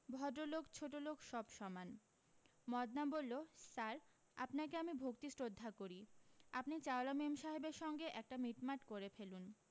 ভদ্রলোক ছোটোলোক সব সমান মদনা বললো স্যার আপনাকে আমি ভক্তি শ্রদ্ধা করি আপনি চাওলা মেমসাহেবের সঙ্গে একটা মিটমাট করে ফেলুন